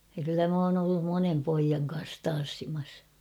ja kyllä minä olen ollut monen pojan kanssa tanssimassa